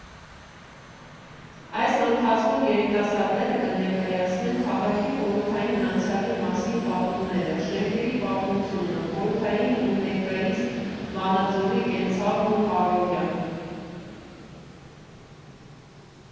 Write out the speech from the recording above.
Այս ընթացքում երիտասարդները կներկայացնեն քաղաքի խորհրդային անցյալի մասին պատումները, շենքերի պատմությունը, խորհրդային ու ներկայիս Վանաձորի կենցաղն ու առօրյան։